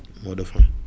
mot de fin